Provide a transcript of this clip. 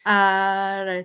A reit.